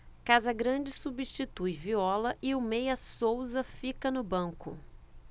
casagrande substitui viola e o meia souza fica no banco